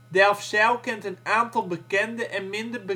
Delfzijl kent een aantal bekende en minder